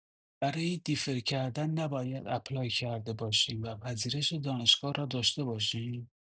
برای دیفر کردن نباید اپلای کرده باشیم و پذیرش دانشگاه را داشته باشیم؟